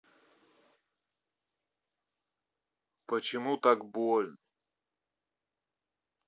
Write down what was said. почему так больно